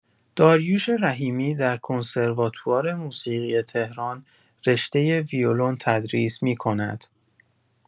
داریوش رحیمی در کنسرواتوار موسیقی تهران رشته ویولن تدریس می‌کند.